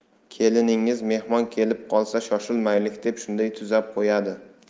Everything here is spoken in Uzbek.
keliningiz mehmon kelib qolsa shoshilmaylik deb shunday tuzab qo'yadi